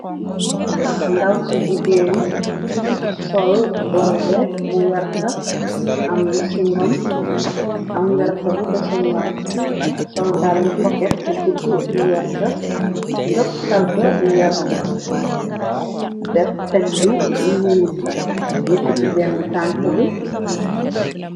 Ndaw su jigéen ci sol borede bu werta amlu ci ngom am werta bu desenor sol dall koket bu guddu bu werta ngëpp kalpe bu werta def teg bu nyuul yëkkti benne tanka bi.